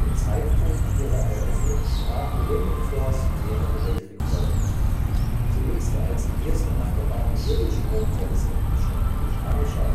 Zeitpunkt ihrer Eröffnung brach Millennium Force mehrere Weltrekorde. Sie nutze als erste Achterbahn Wirbelstrombremsen statt mechanischer